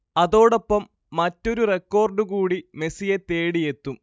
അതോടൊപ്പം മറ്റൊരു റെക്കോർഡ് കൂടി മെസ്സിയെ തേടിയെത്തും